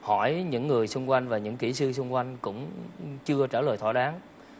hỏi những người xung quanh và những kỹ sư xung quanh cũng chưa trả lời thỏa đáng